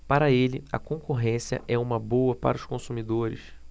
para ele a concorrência é boa para os consumidores